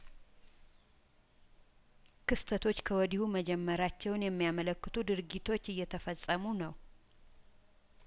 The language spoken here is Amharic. ክስተቶች ከወዲሁ መጀመራቸውን የሚያመለክቱ ድርጊቶች እየተፈጸሙ ነው